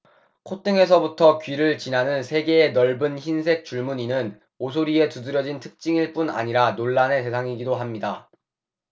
콧등에서부터 귀를 지나는 세 개의 넓은 흰색 줄무늬는 오소리의 두드러진 특징일 뿐 아니라 논란의 대상이기도 합니다